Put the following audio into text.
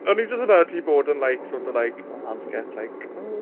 O'n i jyst yn meddwl ti'n bod yn like sort of like oh hard to get, like "oh".